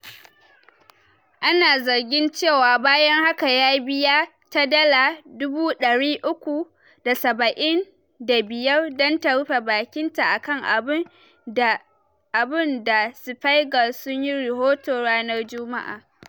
Ana zargin cewa bayan haka ya biya ta dala 375,000 dan ta rufe bakin ta akan abun, Der Spiegel sun yi rihoto ranar Jumma’a.